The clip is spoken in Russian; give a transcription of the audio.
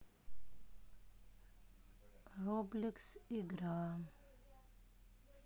роблекс игра